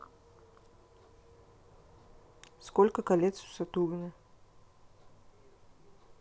сколько колец у сатурна